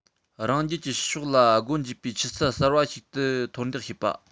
རང རྒྱལ གྱི ཕྱི ཕྱོགས ལ སྒོ འབྱེད པའི ཆུ ཚད གསར པ ཞིག ཏུ མཐོར འདེགས བྱེད པ